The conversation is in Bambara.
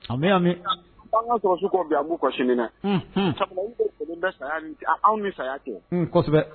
A mɛ ka sɔrɔ su a b'u simina bɛ saya anw ni saya cɛ kosɛbɛ